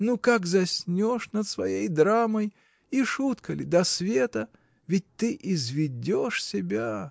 Ну, как заснешь над своей драмой! И шутка ли, до света! ведь ты изведешь себя.